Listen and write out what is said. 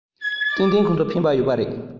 ཏན ཏན ཁོང ཚོར ཕན པ ཡོད པ རེད